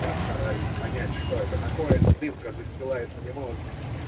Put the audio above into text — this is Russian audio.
Я стараюсь понять, что это такое, но дымка застилает мне мозг.